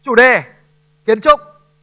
chủ đề kiến trúc